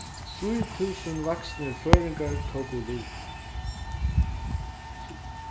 trý túsund vaksnir føroyingar tóku lut